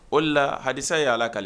O la halisa ye yala ala